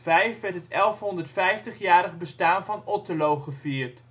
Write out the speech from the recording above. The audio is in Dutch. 2005 werd het 1150-jarig bestaan van Otterlo gevierd